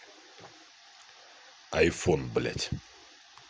айфон блядь